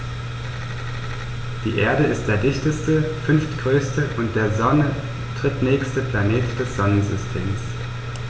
Die Erde ist der dichteste, fünftgrößte und der Sonne drittnächste Planet des Sonnensystems.